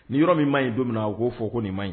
Ni yɔrɔ min maa ɲi don min na u k'o fɔ ko nin ma ɲi